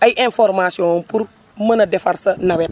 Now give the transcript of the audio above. ay information am pour mµµën a defar sa nawet